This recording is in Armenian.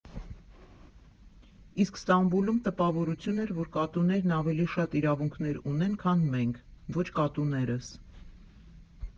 Իսկ Ստամբուլում տպավորություն էր, որ կատուներն ավելի շատ իրավունքներ ունեն, քան մենք՝ ոչ կատուներս։